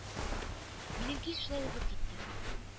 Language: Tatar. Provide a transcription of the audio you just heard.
Минем кич шулай узып китте